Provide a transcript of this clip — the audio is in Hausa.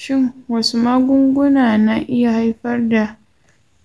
shin wasu magunguna na iya haifar da